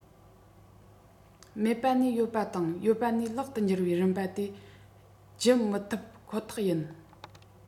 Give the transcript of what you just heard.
མེད པ ནས ཡོད པ དང ཡོད པ ནས ལེགས དུ གྱུར བའི རིམ པ དེ བརྒྱུད མི ཐུབ ཁོ ཐག ཡིན